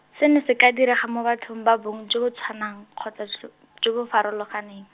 seno se ka direga mo bathong ba bong jo bo tshwanang, kgotsa , jo bo farologaneng.